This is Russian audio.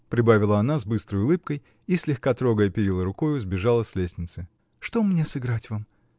-- прибавила она с быстрой улыбкой и, слегка трогая перила рукою, сбежала с лестницы. -- Что мне сыграть вам?